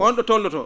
won ?o toolnotoo